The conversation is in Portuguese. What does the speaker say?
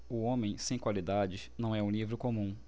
o homem sem qualidades não é um livro comum